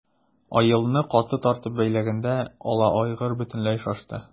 Аелны каты тартып бәйләгәндә ала айгыр бөтенләй шашты.